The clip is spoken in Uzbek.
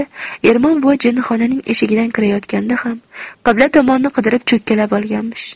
ermon buva jinnixonaning eshigidan kirayotganda ham qibla tomonni qidirib cho'kkalab olganmish